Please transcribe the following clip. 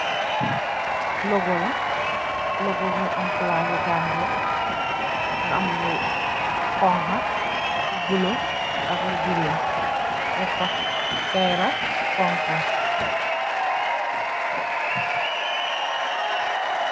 Logo la mougui ammeh flag ki gambia mougui ammeh lou konka ammeh lou weck lou bolla ak lou werrta deffa kaira come come